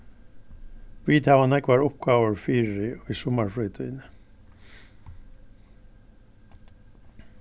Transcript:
vit hava nógvar uppgávur fyri í summarfrítíðini